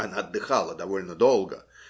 Она отдыхала довольно долго.